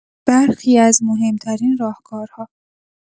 برخی از مهم‌ترین راهکارها